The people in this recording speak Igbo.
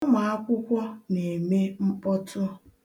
Ụmụakwụkwọ na-eme mkpọtụ.